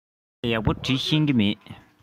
ངས ཡག པོ འབྲི ཤེས ཀྱི མེད